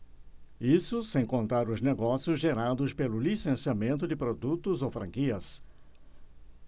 isso sem contar os negócios gerados pelo licenciamento de produtos ou franquias